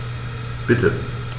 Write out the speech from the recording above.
Bitte.